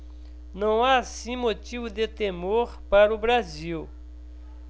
não há assim motivo de temor para o brasil